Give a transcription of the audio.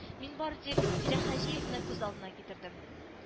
Мин бары тик Тилләхаҗиевны күз алдына китердем